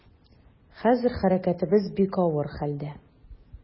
Хәзер хәрәкәтебез бик авыр хәлдә.